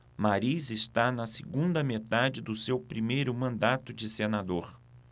mariz está na segunda metade do seu primeiro mandato de senador